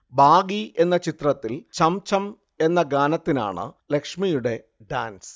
'baggy' എന്ന ചിത്രത്തിലെ 'ഛംഛം' എന്ന ഗാനത്തിനാണു ലക്ഷ്മിയുടെ ഡാൻസ്